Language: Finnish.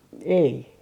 ei